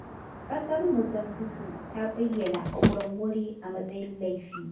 Karanta cigaba: ƙasar Muzambiƙue ta bayyana auren wuri a matsayin laifi.